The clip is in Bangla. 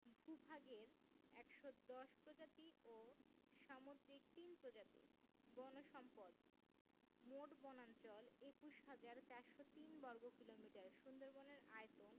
ভূ ভাগের ১১০ প্রজাতি ও সামুদ্রিক ৩ প্রজাতি বন সম্পদঃ মোট বনাঞ্চল ২১হাজার ৪০৩ বর্গ কিলোমিটার সুন্দরবনের আয়তন